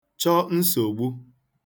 chọ nsògbu